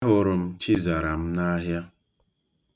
Ahụrụ m Chizaram n'ahịa